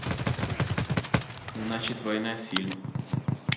значит война фильм